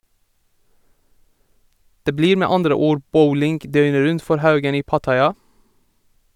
Det blir med andre ord bowling døgnet rundt for Haugen i Pattaya.